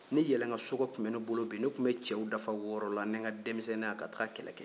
ni yɛlɛnkan sokɛ tun bɛ ne bolo bi ne tun bɛ cɛw dafa wɔɔrɔ la n ni n ka denmisɛnninya ka taa kɛlɛ kɛ